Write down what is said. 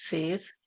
Sydd...?